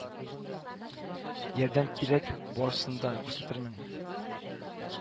Ярдәм кирәк барысын да күрсәтермен